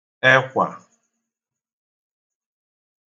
ekwà